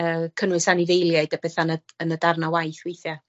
yy cynnwys anifeiliaid a petha'n y yn y darna waith weithia'.